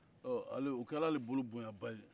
ɔ ale o kɛr'ale bolo bonɲaba ye